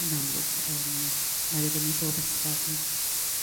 yn amlwg yrm mae e fyny bob ysgog i